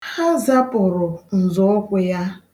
Ha zapụrụ nzọụkwụ ya.